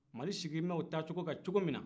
mali sigilen bɛ o taacogo kan cogo min na